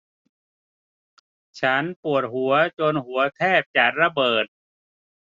ฉันปวดหัวจนหัวแทบจะระเบิด